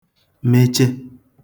meche